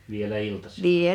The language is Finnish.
vielä iltasilla